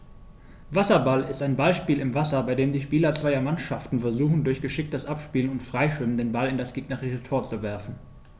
Wasserball ist ein Ballspiel im Wasser, bei dem die Spieler zweier Mannschaften versuchen, durch geschicktes Abspielen und Freischwimmen den Ball in das gegnerische Tor zu werfen.